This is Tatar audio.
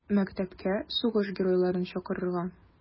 Мәктәпкә сугыш геройларын чакырырга.